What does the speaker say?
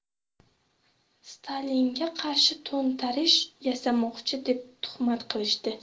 stalinga qarshi to'ntarish yasamoqchi deb tuhmat qilishdi